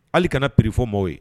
Hali kana pereirifo maaw ye